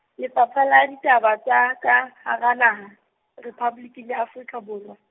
Lefapha la Ditaba tsa ka Hara Naha, Rephaboliki ya Afrika Borwa.